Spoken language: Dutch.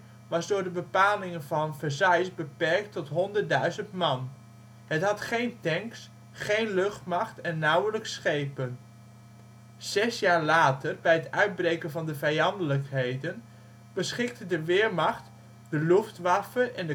door de bepalingen van Versailles beperkt tot 100.000 man. Het had geen tanks, geen luchtmacht en nauwelijks schepen. Zes jaar later, bij het uitbreken van de vijandelijkheden, beschikte de Wehrmacht, de Luftwaffe en de